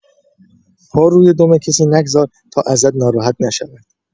پا روی دم کسی نگذار تا ازت ناراحت نشود.